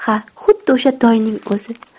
ha xuddi o'sha toyning o'zi